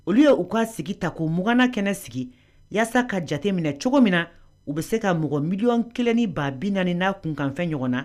Olu ye ye u ka sigi ta ko 20 nan kɛnɛ sigi yasa ka jateminɛ cogo min na u bɛ se ka mɔgɔ 1040000 n'a kunkan fɛn ɲɔgɔn na